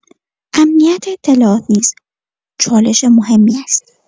امنیت اطلاعات نیز چالش مهمی است.